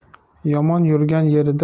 yomon yurgan yerida